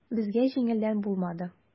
Безгә җиңелдән булмады.